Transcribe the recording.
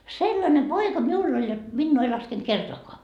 sellainen poika minulla oli jotta minua ei laskenut kertaakaan